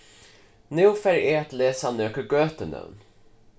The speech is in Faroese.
nú fari eg at lesa nøkur gøtunøvn